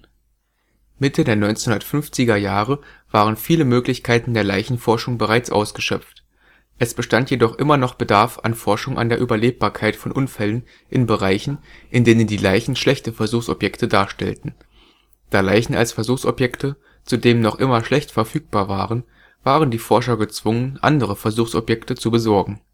Mitte der 1950er Jahre waren viele Möglichkeiten der Leichenforschung bereits ausgeschöpft. Es bestand jedoch immer noch Bedarf an Forschung an der Überlebbarkeit von Unfällen in Bereichen, in denen die Leichen schlechte Versuchsobjekte darstellten. Da Leichen als Versuchsobjekte zudem noch immer schlecht verfügbar waren, waren die Forscher gezwungen, andere Versuchsobjekte zu besorgen